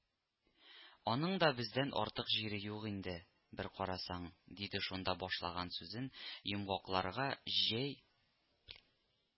— аның да бездән артык җире юк инде, бер карасаң, — диде шунда, башлаган сүзен йомгакларга җәй